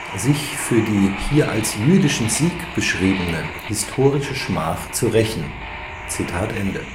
sich für die hier als jüdischen Sieg beschriebene historische Schmach zu rächen